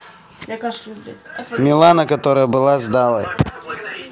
милана которая была с давой